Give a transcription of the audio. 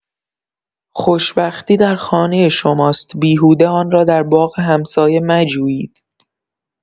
خوشبختی در خانه شماست بیهوده آن را در باغ همسایه مجویید.